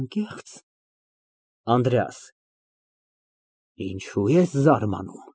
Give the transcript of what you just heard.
Անկեղծ… ԱՆԴՐԵԱՍ ֊ Ինչո՞ւ ես զարմանում։